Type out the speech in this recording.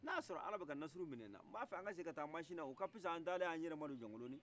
n' a ya sɔrɔ ala bɛ ka nasuru min' ila mba fɛ an ka segi ka taa masina o ka fisa an tale an yɛrɛ malo jɔnkoloni